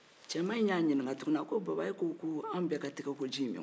cɛman in y'a ɲinika tuguni a ko baba e ko an bɛɛ ka tɛgɛkoji in min wa